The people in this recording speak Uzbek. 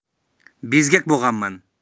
bezgak bo'lganman